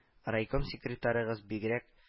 Райком секретарыгыз бигрәк